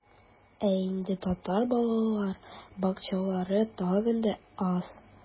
Ә инде татар балалар бакчалары тагын да аз.